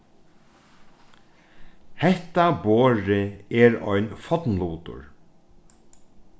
hetta borðið er ein fornlutur